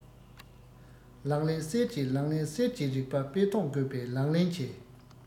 ལག ལེན གསེར གྱི ལག ལེན གསེར གྱི རིག པ དཔེ ཐོག འགོད པའི ལག ལེན གྱི